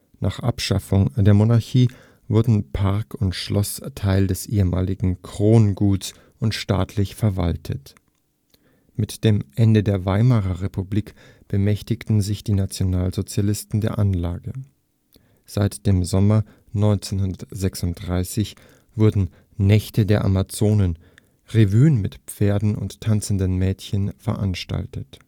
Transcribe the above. Nach Abschaffung der Monarchie wurden Park und Schloss Teil des Ehemaligen Kronguts und staatlich verwaltet. Mit dem Ende der Weimarer Republik bemächtigten sich die Nationalsozialisten der Anlage. Seit dem Sommer 1936 wurden Nächte der Amazonen, Revuen mit Pferden und tanzenden Mädchen, veranstaltet